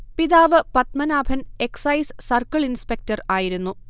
പിതാവ് Padmanabhan excise circle inspector ആയിരുന്നു